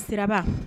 Siraba